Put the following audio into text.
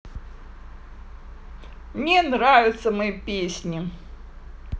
тебе нравятся мои песни